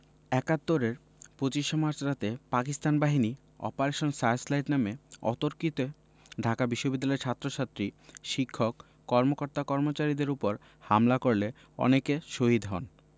৭১ এর ২৫ মার্চ রাতে পাকিস্তান বাহিনী অপারেশন সার্চলাইট নামে অতর্কিতে ঢাকা বিশ্ববিদ্যালয়ের ছাত্রছাত্রী শিক্ষক কর্মকর্তা কর্মচারীদের উপর হামলা করলে অনেকে শহীদ হন